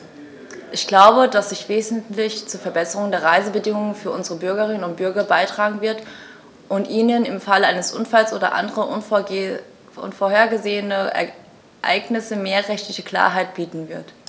Ich glaube, dass sie wesentlich zur Verbesserung der Reisebedingungen für unsere Bürgerinnen und Bürger beitragen wird, und ihnen im Falle eines Unfalls oder anderer unvorhergesehener Ereignisse mehr rechtliche Klarheit bieten wird.